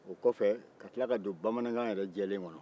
o kɔfɛ ka tila ka don bamanankan yɛrɛ jɛlen kɔnɔ